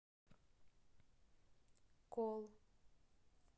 кол